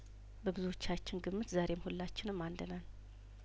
በብዙዎቻችን ግምት ዛሬም ሁላችንም አንድ ነን